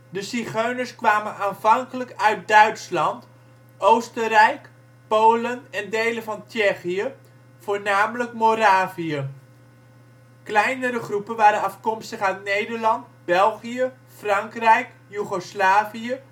De zigeuners kwamen aanvankelijk uit Duitsland, Oostenrijk, Polen en delen van Tsjechië (voornamelijk Moravië). Kleinere groepen waren afkomstig uit Nederland, België, Frankrijk, Joegoslavië